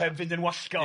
Heb fynd yn wallgo'.